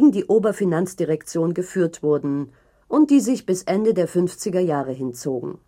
die Oberfinanzdirektion geführt wurden und die sich bis Ende der 50er Jahre hinzogen